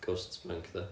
Ghost spunk de